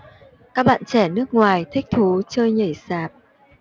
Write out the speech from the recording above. các bạn trẻ nước ngoài thích thú chơi nhảy sạp